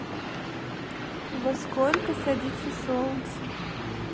во сколько садится солнце